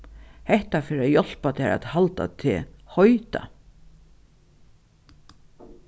hetta fer at hjálpa tær at halda teg heita